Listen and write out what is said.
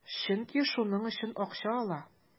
Чөнки шуның өчен акча ала.